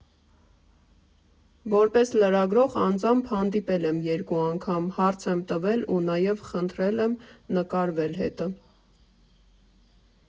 Որպես լրագրող անձամբ հանդիպել եմ երկու անգամ, հարց եմ տվել ու նաև խնդրել եմ նկարվել հետը։